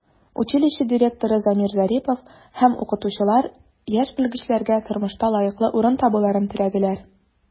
Училище директоры Замир Зарипов һәм укытучылар яшь белгечләргә тормышта лаеклы урын табуларын теләделәр.